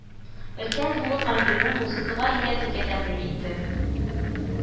Өлкән буын Айгөлне музыкага өйрәтергә тәкъдим итте